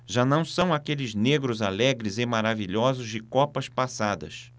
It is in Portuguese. já não são aqueles negros alegres e maravilhosos de copas passadas